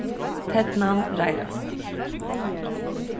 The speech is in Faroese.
ternan reiðrast